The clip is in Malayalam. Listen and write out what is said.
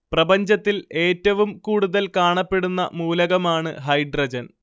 പ്രപഞ്ചത്തില്‍ ഏറ്റവും കൂടുതല്‍ കാണപ്പെടുന്ന മൂലകമാണ് ഹൈഡ്രജന്‍